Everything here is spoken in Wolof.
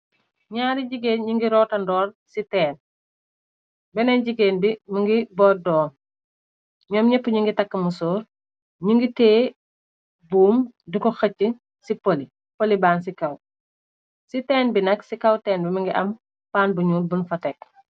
Naari jigéen ñu ngi rootandoor ci teen benneen jigéen bi mi ngi boot doom ñoom ñepp ñu ngi takkmusoor ñu ngi tee buum di ko xëcc ci poli polybaan ci kaw ci teen bi nag ci kaw teen bi mingi am pann bu ñuur bun fa tek.